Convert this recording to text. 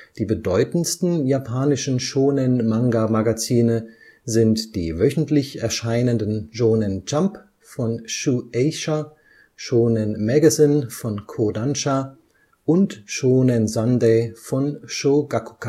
Die bedeutendsten japanischen Shōnen-Manga-Magazine sind die wöchentlich erscheinenden Shōnen Jump von Shueisha, Shōnen Magazine von Kodansha und Shōnen Sunday von Shogakukan